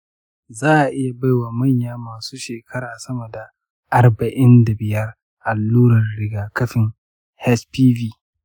za a iya bai wa manya masu shekaru sama da arba'in da biyar allurar rigakafin hpv?